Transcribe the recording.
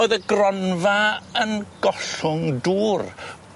O'dd y gronfa yn gollwng dŵr.